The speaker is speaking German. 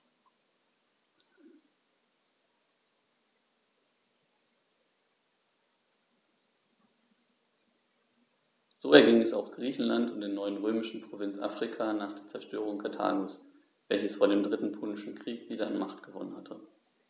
So erging es auch Griechenland und der neuen römischen Provinz Afrika nach der Zerstörung Karthagos, welches vor dem Dritten Punischen Krieg wieder an Macht gewonnen hatte.